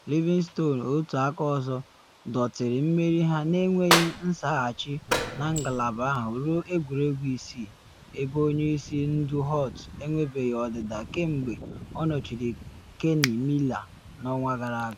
Livingston, otu aka ọzọ, dọtịrị mmeri ha na enweghị nsaghachi na ngalaba ahụ ruo egwuregwu isii, ebe onye isi ndu Holt enwebeghị ọdịda kemgbe ọ nọchiri Kenny Miller n’ọnwa gara aga.